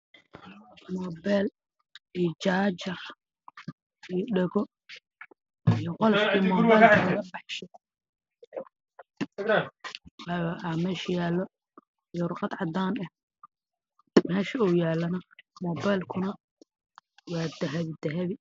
Moobeel iyo jaajar iyo dhago iyo qolofkooda iyo warqasd cadaan ah